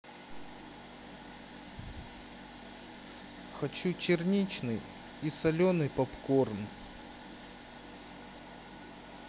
хочу черничный и соленый попкорн